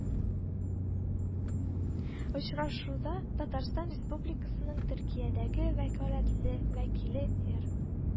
Очрашуда Татарстан Республикасының Төркиядәге вәкаләтле вәкиле эР